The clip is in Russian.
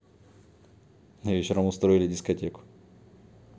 вечером устроили дискотеку